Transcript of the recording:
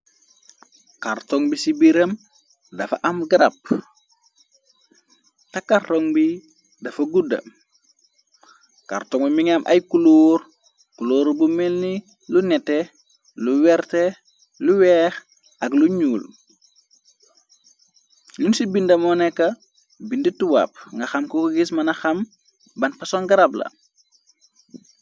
kàrtong bi ci biram dafa am garab takarrong bi dafa gudda kartong mi nga am ay kulóor kulooru bu milni lu nete lu werte lu weex ak lu ñuul lun ci bindamoo neka bind tuwapp nga xam ku ko gis mëna xam ban pason garab la